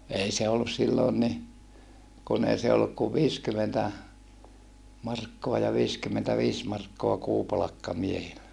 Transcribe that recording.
ei se ollut silloin niin kun ei se ollut kuin viisikymmentä markkaa ja viisikymmentäviisi markkaa kuupalkka miehillä